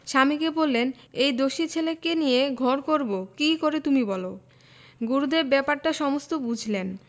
স্বামীকে বললেন এ দস্যি ছেলেকে নিয়ে ঘর করব কি করে তুমি বল গুরুদেব ব্যাপারটা সমস্ত বুঝলেন